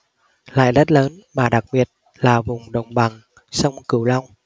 lại rất lớn mà đặc biệt là vùng đồng bằng sông cửu long